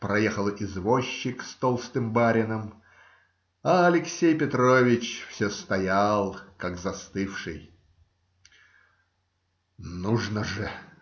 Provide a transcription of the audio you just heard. проехал извозчик с толстым барином, а Алексей Петрович все стоял, как застывший. - Нужно же!